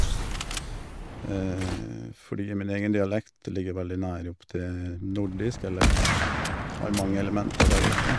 Fordi min egen dialekt ligger veldig nær opptil nordisk, eller har mange elementer derifra.